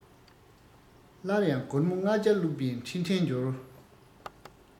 སླར ཡང སྒོར མོ ལྔ བརྒྱ བླུག པའི འཕྲིན ཕྲན འབྱོར